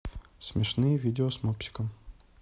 смешные видео с мопсиком